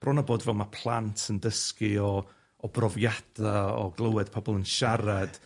bron a bod fel ma' plant yn dysgu o o brofiada o glywed pobl yn siarad,